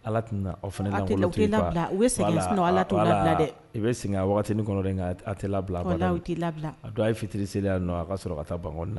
Allah tɛna fana lankolon o yen, u tɛ lbila , u bɛ de sngɛn de sinon allaah t;'u labila dɛ bɛ, i bɛ sɛgn a waati nin kɔnɔ dɛ; wllahi a tɛ labila, a don a ye fitiri seli yan a ka sɔra ka taa bankɔnin na.